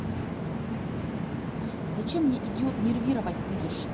зачем мне идиот нервировать будешь